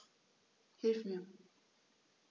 Hilf mir!